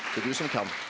det er du som kan.